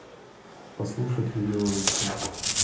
послушать видео русское